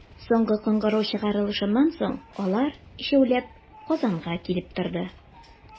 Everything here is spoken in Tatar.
Соңгы кыңгырау чыгарылышыннан соң, алар, өчәүләп, Казанга килеп торды.